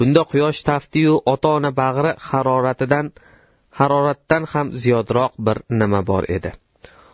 bunda quyosh tafti yu ona ota bag'ridagi haroratdan ham ziyodroq bir nima bor edi